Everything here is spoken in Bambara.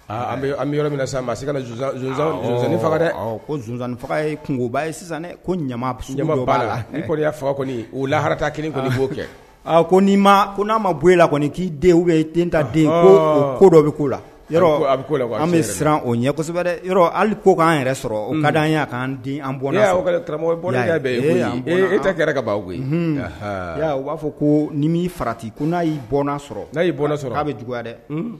An yɔrɔ min sa ma se ka faga dɛfa yegoba ye sisan koɔri fa kɔni u laharata kelen tun'o kɛ ko n ma ko n'a ma bɔ e la kɔni k'i den u bɛ den ta den ko dɔ bɛ' la la an bɛ siran o ɲɛsɛbɛ dɛ hali ko k'an yɛrɛ sɔrɔ o ka di k'an an bɔnura i ka baw u b'a fɔ ko farati ko n'a'i bɔn sɔrɔ n'a y' bɔn sɔrɔ a bɛ dugya dɛ